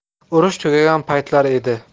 urush tugagan paytlar edi